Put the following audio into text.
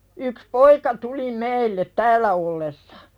yksi poika tuli meille täällä ollessa